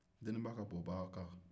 deninba ka bɔ b'a kan